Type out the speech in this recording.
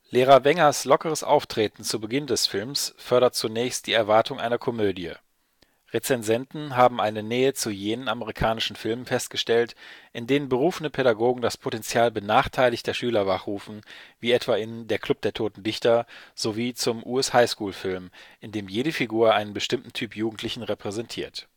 Lehrer Wengers lockeres Auftreten zu Beginn des Films fördert zunächst die Erwartung einer Komödie. Rezensenten haben eine Nähe zu jenen amerikanischen Filmen festgestellt, in denen berufene Pädagogen das Potenzial benachteiligter Schüler wachrufen, wie etwa in Der Club der toten Dichter, sowie zum US-High-School-Film, in dem jede Figur einen bestimmten Typ Jugendlichen repräsentiert